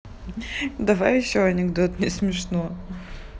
давай еще анекдот не смешно